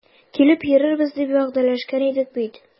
Килеп йөрербез дип вәгъдәләшкән идек бит.